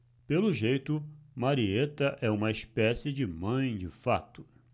pelo jeito marieta é uma espécie de mãe de fato